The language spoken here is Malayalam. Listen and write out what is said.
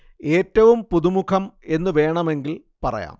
എറ്റവും പുതുമുഖം എന്നു വേണമെങ്കില്‍ പറയാം